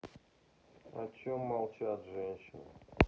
о чем молчат женщины